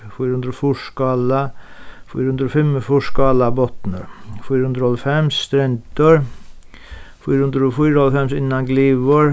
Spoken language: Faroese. fýra hundrað og fýrs skála fýra hundrað og fimmogfýrs skálabotnur fýra hundrað og hálvfems strendur fýra hundrað og fýraoghálvfems innan glyvur